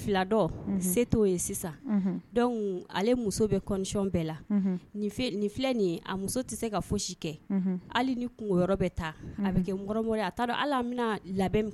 Bɛsɔn bɛɛ la nin filɛ a muso tɛ se ka fo si kɛ hali ni kun bɛ ta a bɛ kɛ a ala bɛna labɛn